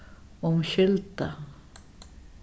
umskylda